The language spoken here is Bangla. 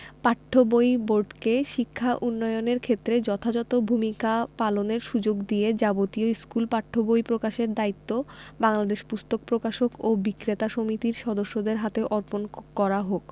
পাঠ্য বই বোর্ডকে শিক্ষা উন্নয়নের ক্ষেত্রে যথাযথ ভূমিকা পালনের সুযোগ দিয়ে যাবতীয় স্কুল পাঠ্য বই প্রকাশের দায়িত্ব বাংলাদেশ পুস্তক প্রকাশক ও বিক্রেতা সমিতির সদস্যদের হাতে অর্পণ করা হোক